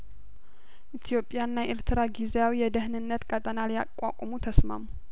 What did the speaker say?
ኢትዮጵያና ኤርትራ ጊዜያዊ የደህንነት ቀጣና ለማቋቋም ተስማሙ